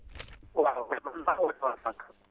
waaw man maa woote woon sànq